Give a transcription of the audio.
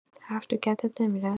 حرف تو کتت نمی‌ره؟